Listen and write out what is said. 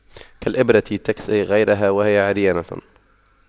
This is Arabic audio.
كالإبرة تكسي غيرها وهي عريانة